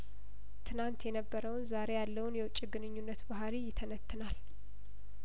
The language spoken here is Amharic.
ትናንት የነበረውን ዛሬ ያለውን የውጭ ግንኙነት ባህርይ ይተነትናል